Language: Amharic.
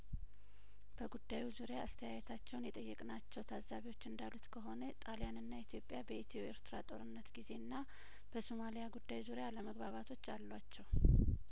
በጉዳዩ ዙሪያ አስተያየታቸውን የጠየቅናቸው ታዛቢዎች እንዳሉት ከሆነ ጣሊያንና ኢትዮጵያ በኢትዮ ኤርትራ ጦርነት ጊዜና በሱማሊያ ጉዳይ ዙሪያ አለመግባባቶች አሏቸው